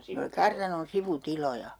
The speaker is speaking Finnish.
ne oli kartanon sivutiloja